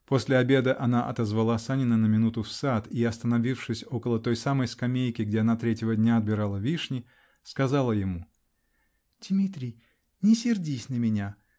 После обеда она отозвала Санина на минуту в сад и, остановившись около той самой скамейки, где она третьего дня отбирала вишни, сказала ему: -- Димитрий, не сердись на меня